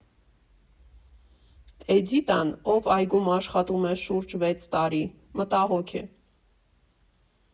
Էդիտան, ով այգում աշխատում է շուրջ վեց տարի, մտահոգ է.